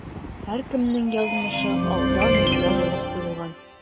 Һәркемнең язмышы алдан ук язылып куелган.